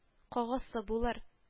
Кагасы булыр